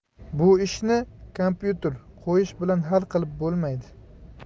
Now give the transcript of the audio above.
bu ishni kompyuter qo'yish bilan hal qilib bo'lmaydi